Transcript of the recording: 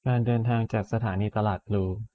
การเดินทางจากสถานีตลาดพลู